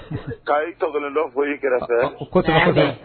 K'a i tɔ dɔ foyi i kɛrɛfɛ